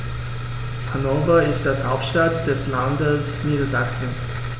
Hannover ist die Hauptstadt des Landes Niedersachsen.